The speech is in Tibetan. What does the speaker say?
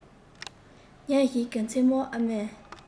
ཉིན ཞིག གི མཚན མོར ཨ མས